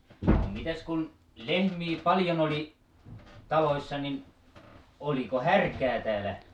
mitenkäs kun lehmiä paljon oli taloissa niin oliko härkää täällä